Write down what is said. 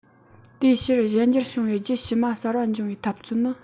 དེའི ཕྱིར གཞན འགྱུར བྱུང བའི རྒྱུད ཕྱི མ གསར པ འབྱུང བའི འཐབ རྩོད ནི